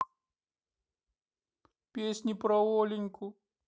песни про оленьку